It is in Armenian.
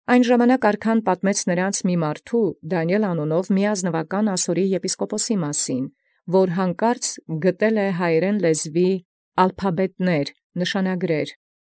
Յայնժամ պատմէր նոցա արքայն վասն առն ուրումն ասորւոյ եպիսկոպոսի ազնուականի՝ Դանիէլ անուն կոչեցելոյ, որոյ յանկարծ ուրեմն գտեալ նշանագիրս աղփաբետաց հայերէն լեզուի։